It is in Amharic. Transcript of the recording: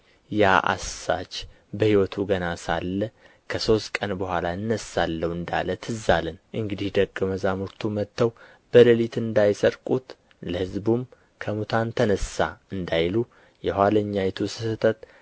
ያ አሳች በሕይወቱ ገና ሳለ ከሦስት ቀን በኋላ እነሣለሁ እንዳለ ትዝ አለን እንግዲህ ደቀ መዛሙርቱ መጥተው በሌሊት እንዳይሰርቁት ለሕዝቡም ከሙታን ተነሣ እንዳይሉ የኋለኛይቱ ስሕተት